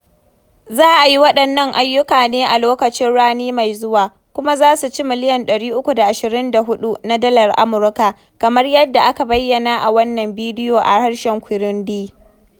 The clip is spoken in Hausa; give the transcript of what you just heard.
Za a yi waɗannan ayyuka ne a lokacin rani mai zuwa, kuma za su ci miliyan 324 na dalar Amurka, kamar yadda aka bayyana a wannan bidiyo a harshen Kirundi.